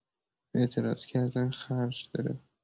اعتراض کردن خرج داره.